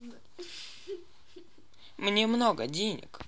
мне много денег